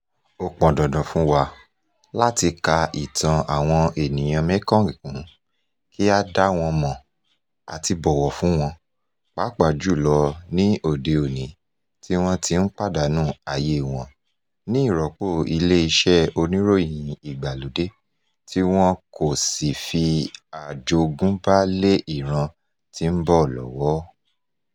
Ó pọn dandan fún wa láti ka ìtàn àwọn ènìyàn Mekong kún, kí a dá wọn mọ̀, àti bọ̀wọ̀ fún wọn, papàá jù lọ ní òde òní tí wọ́n ti ń pàdánù àyè wọn ní ìrọ́pò ilé iṣẹ́ oníròyìn ìgbàlódé, tí wọn kò sì fi àjogúnbá lé ìran tí ó ń bọ̀ lọ́wọ́.